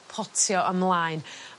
Potio ymlaen